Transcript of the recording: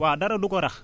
waa dara du ko rax